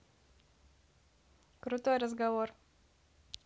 крутой разговор